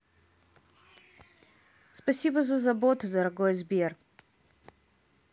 спасибо за заботу дорогой сбер